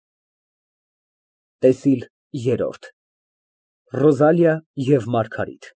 ՏԵՍԻԼ ԵՐՐՈՐԴ ՌՈԶԱԼԻԱ ԵՎ ՄԱՐԳԱՐԻՏ։